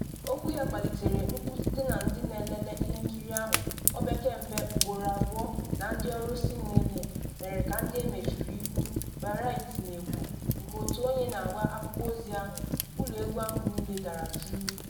Okwu ya kpalitere mkpu site na ndị n’elele ihe nkiri ahụ opekempe ugboro abụọ na ndị ọrụ SNL mere ka ndị emechuru ihu, Variety na-ekwu, nke otu onye na-agwa akwụkwọ ozi ahụ: “Ụlọ egwu ahụ niile dara juu.”